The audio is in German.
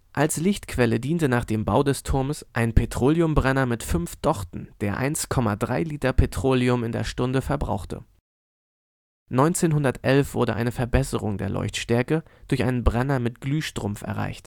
Als Lichtquelle diente nach dem Bau des Turmes ein Petroleumbrenner mit fünf Dochten, der 1,3 Liter Petroleum in der Stunde verbrauchte. 1911 wurde eine Verbesserung der Leuchtstärke durch einen Brenner mit Glühstrumpf erreicht